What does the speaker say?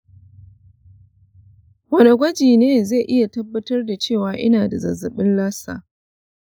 wane gwaji ne zai iya tabbatar da cewa ina da zazzabin lassa?